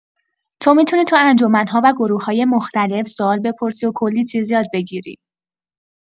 تو می‌تونی تو انجمن‌ها و گروه‌های مختلف سوال بپرسی و کلی چیز یاد بگیری.